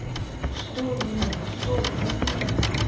что нет стой отмена